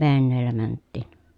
veneellä mentiin